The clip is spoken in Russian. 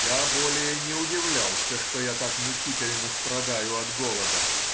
Я более не удивлялся, что я так мучительно страдаю от голода.